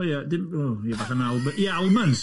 O ia, dim- o ia bach yn alb- ia, almonds!